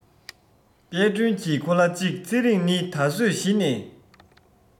དཔལ སྒྲོན གྱིས ཁོ ལ གཅིག ཚེ རིང ནི ད གཟོད གཞི ནས